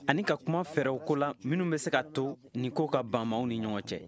ani ka kuma fɛɛrɛ o ko la minnu bɛ se ka to nin ko ka ban u ni ɲɔgɔn cɛ